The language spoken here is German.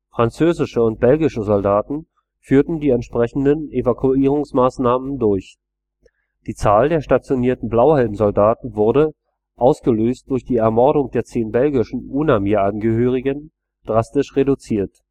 Französische und belgische Soldaten führten die entsprechenden Evakuierungsmaßnahmen durch. Die Zahl der stationierten Blauhelm-Soldaten wurde, ausgelöst durch die Ermordung der zehn belgischen UNAMIR-Angehörigen, drastisch reduziert